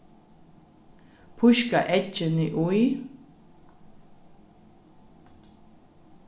píska eggini í